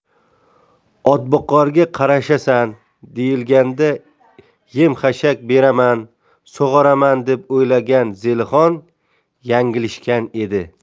otboqarga qarashasan deyilganda em xashagini berarman sug'orarman deb o'ylagan zelixon yanglishgan edi